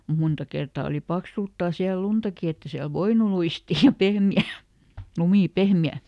mutta monta kertaa oli paksultaan siellä luntakin että ei siellä voinut luistia ja pehmeä lumi pehmeä